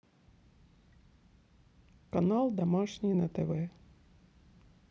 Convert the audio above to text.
канал домашний на тв